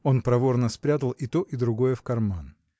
Он проворно спрятал и то и другое в карман.